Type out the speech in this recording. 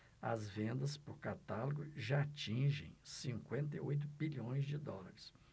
as vendas por catálogo já atingem cinquenta e oito bilhões de dólares